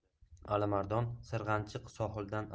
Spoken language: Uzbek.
alimardon sirg'anchiq sohildan